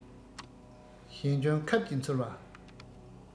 གཞན སྐྱོན ཁབ ཀྱིས འཚོལ བ